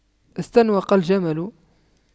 استنوق الجمل